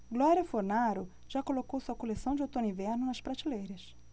glória funaro já colocou sua coleção de outono-inverno nas prateleiras